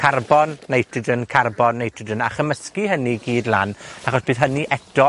carbon nitrogen, carbon nitrogen, a chymysgu hynny i gyd lan, achos bydd hynny eto